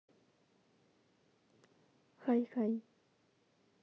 хай хай